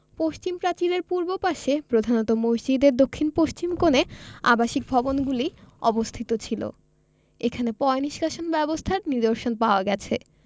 পশ্চিম প্রাচীরের পূর্ব পাশে প্রধানত মসজিদের দক্ষিণ পশ্চিম কোণে আবাসিক ভবনগুলি অবস্থিত ছিল এখানে পয়োনিষ্কাশন ব্যবস্থার নিদর্শন পাওয়া গেছে